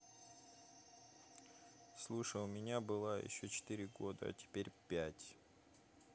слушай у меня была еще четыре года а теперь пять